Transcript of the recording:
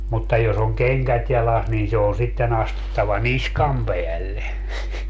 mutta jos on kengät jalassa niin se on sitten astuttava niskan päälle